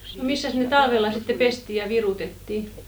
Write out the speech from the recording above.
no missäs ne talvella sitten pestiin ja virutettiin